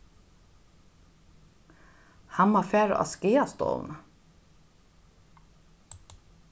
hann má fara á skaðastovuna